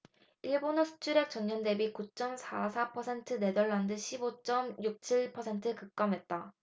일본의 수출액은 전년대비 구 쩜 사 사 퍼센트 네덜란드는 십 오 쩜 육 칠 퍼센트 급감했다